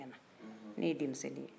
fɔlɔ fɔlɔ tunkara ye maraka de ye